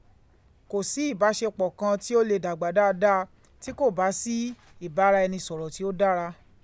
Kò sí ìbáṣepọ̀ kan tí ó lè dàgbà dáadáa tí kò bá sí ìbára ẹni sọ̀rọ̀ tí ó dára.